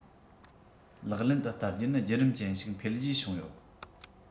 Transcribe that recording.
ལག ལེན དུ བསྟར རྒྱུ ནི རྒྱུད རིམ ཅན ཞིག འཕེལ རྒྱས བྱུང ཡོད